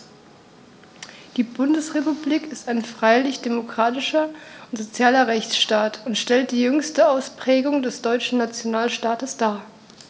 Die Bundesrepublik ist ein freiheitlich-demokratischer und sozialer Rechtsstaat und stellt die jüngste Ausprägung des deutschen Nationalstaates dar.